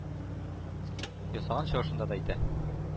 Ясаган чыгышында да әйтә.